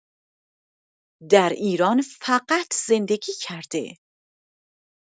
در ایران فقط زندگی کرده.